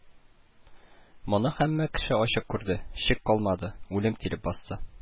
Моны һәммә кеше ачык күрде, шик калмады, үлем килеп басты